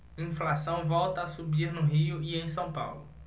inflação volta a subir no rio e em são paulo